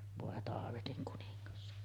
voi taavetin kuningas